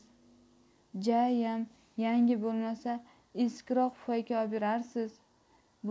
jayam yangi bo'lmasa eskiroq pufayka oberarsiz